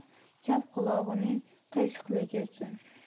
chap qulog'ining qiyshiqligi uchun